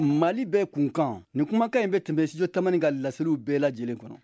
mali bɛɛ kunkan nin kumakan in bɛɛ kun bɛ studio tamani ka laseliw bɛɛ lajɛlen kɔnɔ